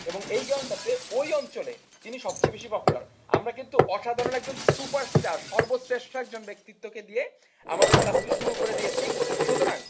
এবং এই কারণটা তে ওই অঞ্চলে তিনি সবচেয়ে বেশি পপুলার আমরা কিন্তু অসাধারণ একজন সুপারস্টার সর্বশ্রেষ্ঠ একজন ব্যক্তিত্বকে নিয়ে আমাদের ক্লাসটি শুরু করে দিয়েছি সুতরাং